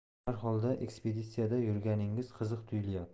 har holda ekspeditsiyada yurganingiz qiziq tuyulyapti